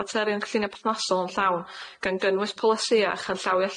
faterion llunia' perthnasol yn llawn gan gynnwys polisia chanllawia'